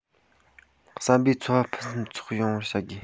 བསམ པའི འཚོ བ ཕུན སུམ ཚོགས ཡོང བར བྱ དགོས